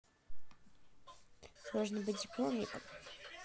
сложно быть дипломником